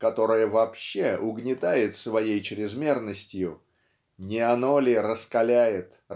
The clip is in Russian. которое вообще угнетает своей чрезмерностью -- не оно ли раскаляет